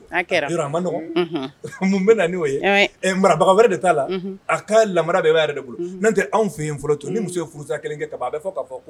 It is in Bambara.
Man mun bɛo marabaga wɛrɛ de t'a la a ka lara bɛɛ yɛrɛ de bolo n' tɛ anw fɛ fɔlɔ to ni muso furusa kelen ta bɛ fɔ' fɔ